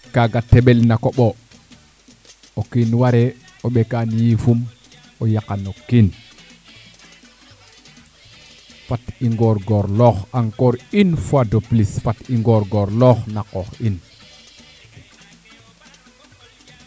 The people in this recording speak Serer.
kaga teɓel na koɓo o kiin ware o ɓektan yiifum o yaqa no kiin fat i ngoor ngoor loox encore une fois de plus fat i ngoor ngorloox na a qoox in